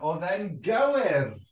Oedd e'n gywir.